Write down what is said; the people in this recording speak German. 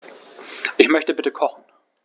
Ich möchte bitte kochen.